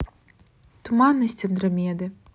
туманность андромеды